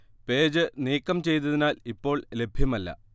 page നീക്കം ചെയ്തതിനാൽ ഇപ്പോൾ ലഭ്യമല്ല